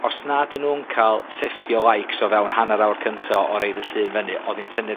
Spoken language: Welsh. os na 'dyn nw'n ca'l fifty o likes o fewn hanner awr cynta o roid y llun fyny odd 'i'n tynnu'r